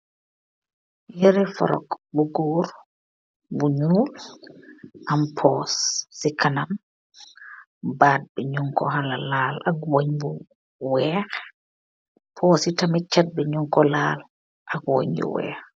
yerefrok bu goor bu ñuul am poos ci kanam baat bi ñu ko xala laal ak woñ bu weex poss ci tami chatt bi ñu ko laal ak woñ yu weex.